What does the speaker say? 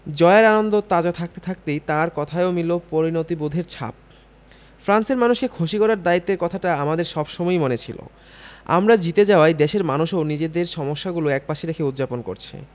জয়ের আনন্দ তাজা থাকতে থাকতেই তাঁর কথায়ও মিলল পরিণতিবোধের ছাপ ফ্রান্সের মানুষকে খুশি করার দায়িত্বের কথাটা আমাদের সব সময়ই মনে ছিল আমরা জিতে যাওয়ায় দেশের মানুষও নিজেদের সমস্যাগুলো একপাশে রেখে উদ্যাপন করছে